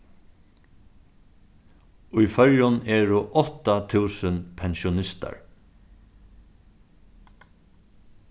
í føroyum eru átta túsund pensjonistar